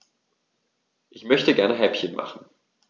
Ich möchte gerne Häppchen machen.